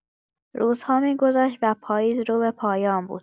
روزها می‌گذشت و پاییز رو به پایان بود.